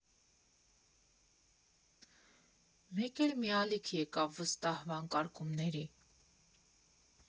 Մեկ էլ մի ալիք եկավ վստահ վանկարկումների.